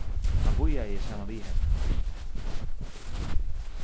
hann bíðaði saman við henni